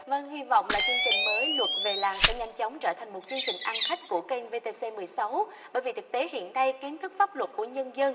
vâng hy vọng là chương trình mới luật về làng sẽ nhanh chóng trở thành một chương trình ăn khách của kênh vê tê xê mười sáu bởi vì thực tế hiện nay kiến thức pháp luật của nhân dân